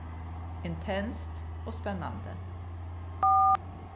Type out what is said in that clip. intenst og spennandi